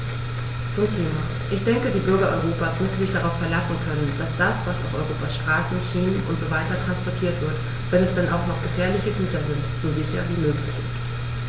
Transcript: Zum Thema: Ich denke, die Bürger Europas müssen sich darauf verlassen können, dass das, was auf Europas Straßen, Schienen usw. transportiert wird, wenn es denn auch noch gefährliche Güter sind, so sicher wie möglich ist.